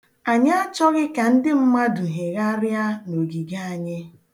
Anyị achọghị ka ndị mmadụ hegharịa n'ogige anyị.